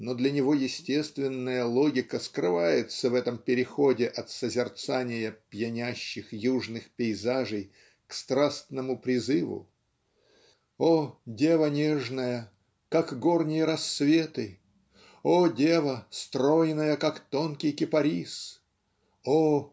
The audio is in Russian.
но для нею естественная логика скрывается в этом переходе от созерцания пьянящих южных пейзажей к страстному призыву О дева нежная как горние рассветы О дева стройная как тонкий кипарис О